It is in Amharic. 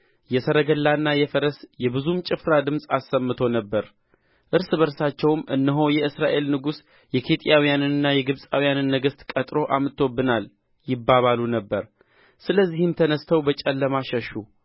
የሰረገላና የፈረስ የብዙም ጭፍራ ድምፅ አሰምቶ ነበር እርስ በርሳቸውም እነሆ የእስራኤል ንጉሥ የኬጢያውያንና የግብጻውያንን ነገሥት ቀጥሮ አምጥቶብናል ይባባሉ ነበር ስለዚህም ተነሥተው በጨለማ ሸሹ